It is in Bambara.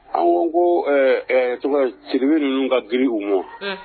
A ko tɔgɔ sigilen ninnu ka g u ma